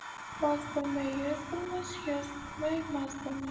oz bo'lmay yoz bo'lmas yoz bo'lmay maz bo'lmas